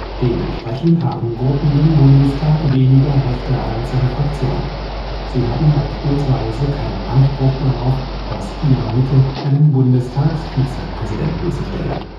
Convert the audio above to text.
Dementsprechend haben Gruppen im Bundestag weniger Rechte als eine Fraktion; sie haben beispielsweise keinen Anspruch darauf, aus ihrer Mitte einen Bundestagsvizepräsidenten zu stellen